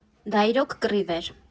Դա իրոք կռիվ էր։